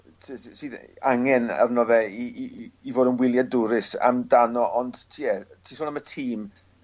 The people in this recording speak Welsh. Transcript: sy- sy- sydd angen arno fe i i i i fod yn wyliadwrus amdano ond ti ie ti sôn am y tîm